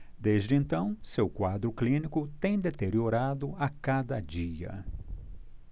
desde então seu quadro clínico tem deteriorado a cada dia